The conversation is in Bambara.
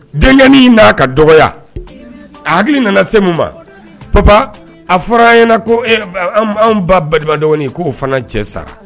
Dennin in n'a ka dɔgɔ a hakili nana se min ma pa babap a fɔra an ɲɛna ko ba ba dɔgɔnin k'o fana cɛ sara